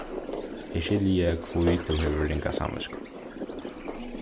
eg skilji hví tú hevur ringa samvitsku